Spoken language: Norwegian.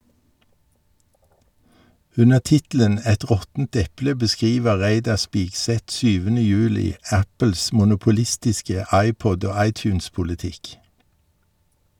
Under tittelen "Et råttent eple" beskriver Reidar Spigseth 7. juli Apples monopolistiske iPod- og iTunes-politikk.